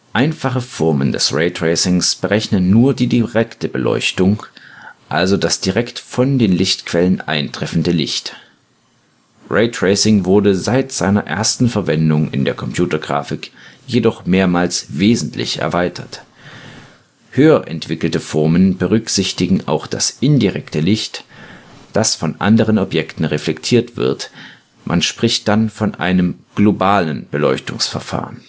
Einfache Formen des Raytracings berechnen nur die direkte Beleuchtung, also das direkt von den Lichtquellen eintreffende Licht. Raytracing wurde seit seiner ersten Verwendung in der Computergrafik jedoch mehrmals wesentlich erweitert. Höher entwickelte Formen berücksichtigen auch das indirekte Licht, das von anderen Objekten reflektiert wird; man spricht dann von einem globalen Beleuchtungsverfahren